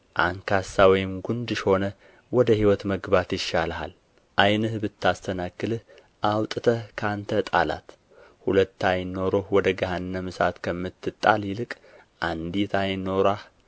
አንካሳ ወይም ጉንድሽ ሆነህ ወደ ህይወት መግባት ይሻልሀል ዓይንህ ብታሰናክልህ አውጥተህ ከአንተ ጣላት ሁለት ዓይን ኖሮህ ወደ ገሃነመ እሳት ከምትጣል ይልቅ አንዲት ዓይን ኖራህ